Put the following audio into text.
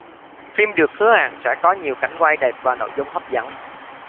phim được hứa hẹn sẽ có nhiều cảnh quay đẹp và nội dung hấp dẫn